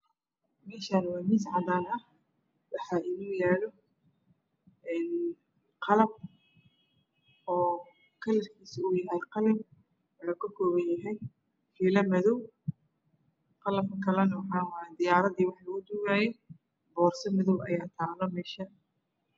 Meeshaan waa miis cadaan ah waxaa yaalo qalab oo qalin ah waxuu ka kooban yahay fiilo madow iyo diyaarada wax lugu duubayay. Boorso madow ayaa taalo.